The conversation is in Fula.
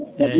eeyi